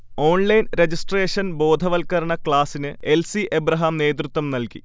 Online registration ബോധവത്കരണ ക്ലാസ്സിന് L. C. Abraham നേതൃത്വം നൽകി